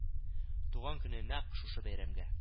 Туган көне нәкъ шушы бәйрәмгә